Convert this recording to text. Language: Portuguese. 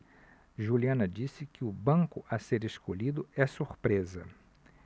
juliana disse que o banco a ser escolhido é surpresa